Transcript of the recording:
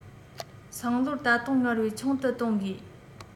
སང ལོར ད དུང སྔར བས ཆུང དུ གཏོང དགོས